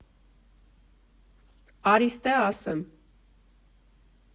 Արի ստե ասեմ։